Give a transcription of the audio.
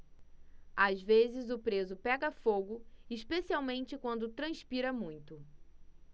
às vezes o preso pega fogo especialmente quando transpira muito